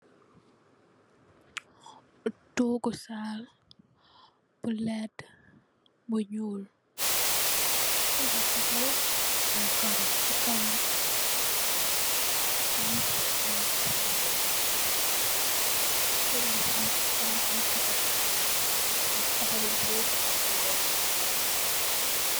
Toogu saal bu lèdda bu ñuul tégé chi kaw ay karo, chi kawam am morso bu ñuul. Chi kanam am tapè, tapè bu bulo ak bu weeh.